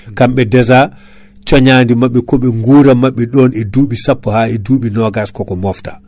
kamɓe déja conñadi mabɓe koɓe guura mabɓe ɗon e duɓi sappo ha e duɓi nogass koko mofta